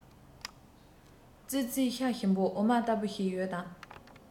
ཙི ཙིའི ཤ ཞིམ པོ འོ མ ལྟ བུ ཞིག ཡོད དམ